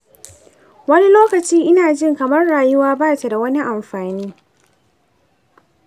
wani lokaci ina jin kamar rayuwa ba ta da wani amfani.